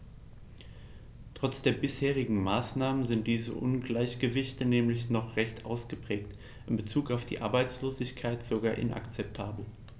Trotz der bisherigen Maßnahmen sind diese Ungleichgewichte nämlich noch recht ausgeprägt, in bezug auf die Arbeitslosigkeit sogar inakzeptabel.